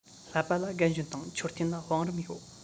བསླབ པ ལ རྒན གཞོན དང མཆོད རྟེན ལ བང རིམ ཡོད